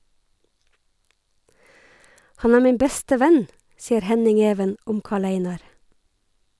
Han er min beste venn, sier Henning-Even om Karl-Einar.